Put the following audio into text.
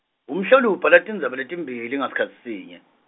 Umhloli ubhala tindzaba letimbili, ngasikhatsi sinye.